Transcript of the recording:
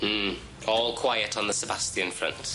Hmm all quiet on the Sebastian front.